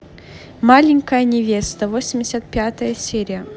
маленькая невеста восемьдесят пятая серия